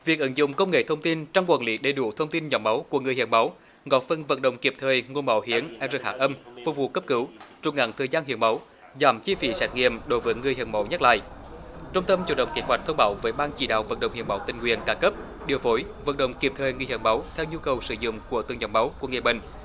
việc ứng dụng công nghệ thông tin trong quản lý đầy đủ thông tin nhóm máu của người hiến máu góp phần vận động kịp thời nguồn máu hiếm e rờ hát âm phục vụ cấp cứu trong ngành thời gian hiến máu giảm chi phí xét nghiệm đối với người hiến máu nhắc lại trung tâm chủ động kích hoạt thông báo với ban chỉ đạo vận động hiến máu tình nguyện các cấp điều phối vận động kịp thời người hiến máu theo nhu cầu sử dụng của từng giọt máu của người bệnh